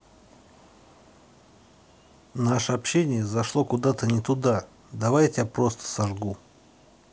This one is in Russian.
наше общение зашло куда то не туда давай я тебя просто сожгу